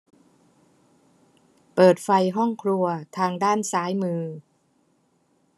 เปิดไฟห้องครัวทางด้านซ้ายมือ